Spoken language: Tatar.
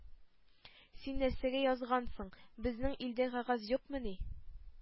— син нәрсәгә язгансың! безнең илдә кәгазь юкмыни? —